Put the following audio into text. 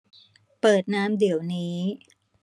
เปิดน้ำเดี๋ยวนี้